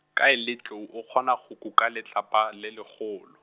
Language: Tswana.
ka e le tlou o kgonne go kuka letlapa le legolo.